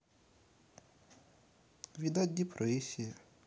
видать депрессия